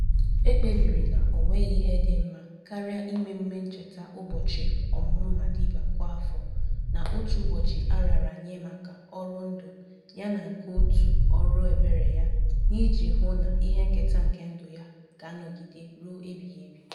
E kpebiri na o nweghị ihe dị mma karịa ime emume ncheta ụbọchị ọmụmụ Madiba kwa afọ na otu ụbọchị a raara nye maka ọrụ ndụ yana nke òtù ọrụ ebere ya na iji hụ na ihe nketa nke ndụ ya ga-anọgide ruo ebighịebe.